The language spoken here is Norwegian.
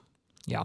Ja.